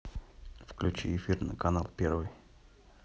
включи эфирный канал первый